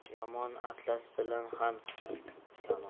yomon atlas bilan ham yomon